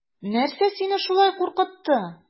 Нәрсә саине шулай куркытты?